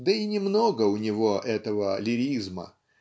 Да и не много у него этого лиризма